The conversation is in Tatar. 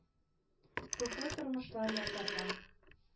Рухлы тормышлар ясарга